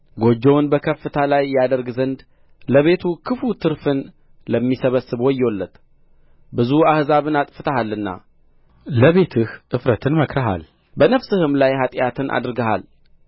ጐጆውን በከፍታ ላይ ያደርግ ዘንድ ለቤቱ ክፉ ትርፍን ለሚሰበስብ ወዮለት ብዙ አሕዛብን አጥፍተሃልና ለቤትህ እፍረትን መክረሃል በነፍስህም ላይ ኃጢአትን አድርገሃል